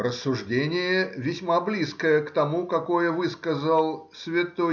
Рассуждение весьма близкое к тому, какое высказал св.